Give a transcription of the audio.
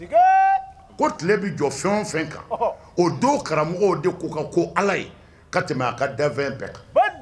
Ko tile bɛ jɔ fɛn fɛn kan o don karamɔgɔ' ko ala ye ka tɛmɛ a ka danfɛn bɛɛ kan